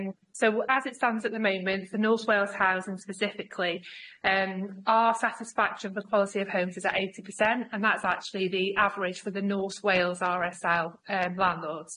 Yym. So as it stands at the moment the North Wales housing specifically yym our satisfaction for quality of homes is at eighty percent and that's actually the average for the North Wales R.S.L. yym landlords.